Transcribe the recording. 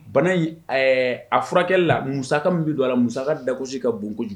Bana in a furakɛ la musa min bɛ don a muka dagosi ka bon kojugu